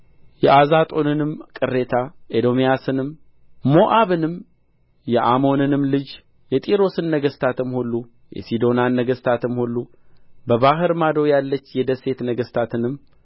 የአዞጦንንም ቅሬታ ኤዶምያስንም ሞዓብንም የአሞንም ልጆች የጤሮስን ነገሥታትም ሁሉ የሲዶናን ነገሥታት ሁሉ በባህር ማዶ ያለች የደሴት ነገሥታትንም